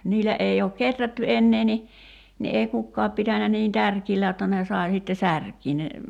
niillä ei ole kehrätty enää niin niin ei kukaan pitänyt niin tärkeällä jotta ne sai sitten särkeä ne